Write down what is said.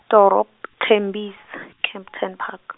torop-, Tembisa Kempton Park.